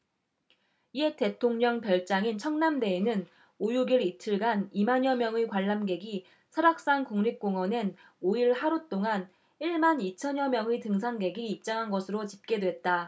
옛 대통령 별장인 청남대에는 오 육 일 이틀간 이 만여 명의 관람객이 설악산국립공원엔 오 일 하루 동안 일 만 이천 여 명의 등산객이 입장한 것으로 집계됐다